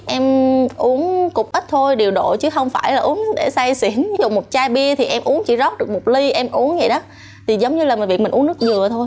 em uống cũng ít thôi điều độ chứ hông phải là uống để say xỉn ví dụ một chai bia thì em uống chỉ rót được một ly em uống dậy đó thì giống như là mình việc mình uống nước dừa thôi